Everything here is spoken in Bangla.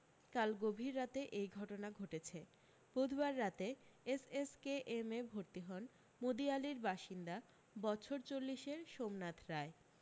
কাল গভীর রাতে এই ঘটনা ঘটেছে বুধবার রাতে এসএসকেএমে ভর্তি হন মুদিয়ালির বাসিন্দা বছর চল্লিশের সোমনাথ রায়